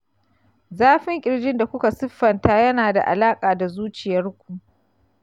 zafin ƙirjin da ku ka siffanta ya na da alaƙa da zuciyarku